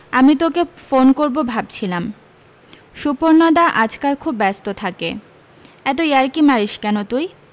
আমি তোকে ফোন করবো ভাবছিলাম সুপর্নদা আজকাল খুব ব্যস্ত থাকে এতো ইয়ার্কি মারিস কেন তুই